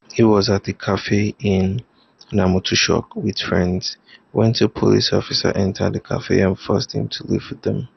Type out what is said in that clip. He was at a cafe in Nouakchott with friends, when two police officers entered the cafe and forced him to leave with them.